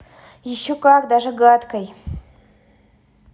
еще как даже гадкой